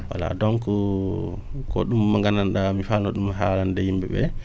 voilà donc